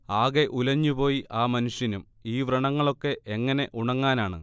ആകെ ഉലഞ്ഞുപോയി ആ മനുഷ്യനും ഈ വ്രണങ്ങളൊക്കെ എങ്ങനെ ഉണങ്ങാനാണ്